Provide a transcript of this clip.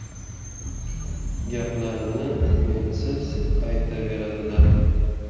gaplarini mensiz aytaveradilar